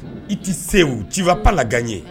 I ti se u tu ne vas pas la gagner